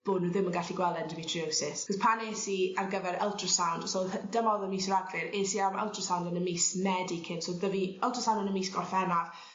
bo' nw ddim yn gallu gweld endometriosis 'c'os pan es i ar gyfer ultrasound so o'dd Hy- dyma o'dd yn mis Ragfyr es i am ultrasound yn y mis Medi cyn so o'dd 'dy fi ultrasound yn y mis Gorffennaf